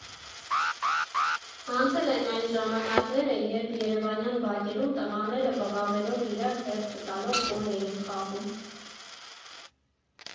Անցել են այն ժամանակները, երբ երևանյան բակերում տղաները բղավելով, իրար հերթ չտալով հոլ էին խաղում։